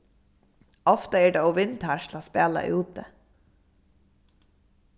ofta er tað ov vindhart til at spæla úti